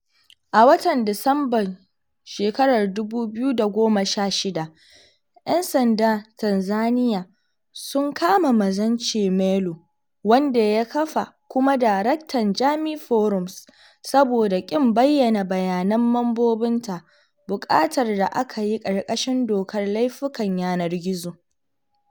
A watan Disamban 2016, ‘yan sanda Tanzaniya sun kama Maxence Melo, wanda ya kafa kuma daraktan Jamii Forums, saboda ƙin bayyana bayanan mambobinta, buƙatar da aka yi ƙarƙashin Dokar Laifukan yanar gizo